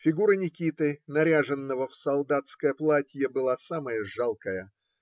Фигура Никиты, наряженного в солдатское платье, была самая жалкая